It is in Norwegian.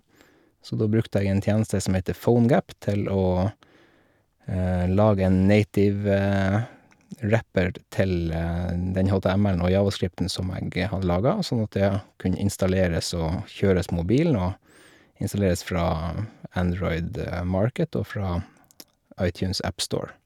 Så da brukte jeg en tjeneste som heter Phonegap til å lage en native wrapper til den HTML-en og JavaScript-en som jeg hadde laga sånn at det kunne installeres og kjøres på mobilen og installeres fra Android Market og fra iTunes Appstore.